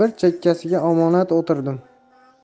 bir chekkasiga omonat o'tirdim